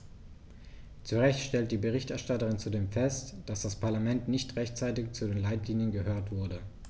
Zu Recht stellt die Berichterstatterin zudem fest, dass das Parlament nicht rechtzeitig zu den Leitlinien gehört wurde.